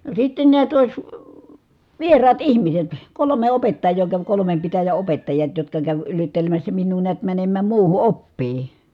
no sitten näet olisi vieraat ihmiset kolme opettajaa kävi kolmen pitäjän opettajat jotka kävi yrittelemässä minua näet menemään muuhun oppiin